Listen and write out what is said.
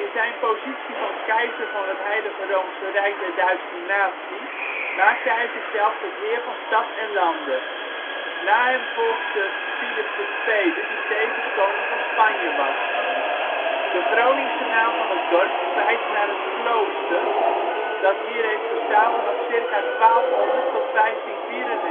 zijn positie van keizer van het Heilige Roomse Rijk der Duitse Natie maakte hij zichzelf tot heer van Stad en Lande. Na hem volgde Philips II, die tevens koning van Spanje was. De Groningse naam van het dorp verwijst naar het klooster dat hier heeft bestaan van ca. 1200 tot 1594. Het